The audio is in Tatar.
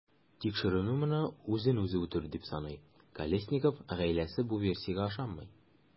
Тикшеренү моны үзен-үзе үтерү дип саный, Колесников гаиләсе бу версиягә ышанмый.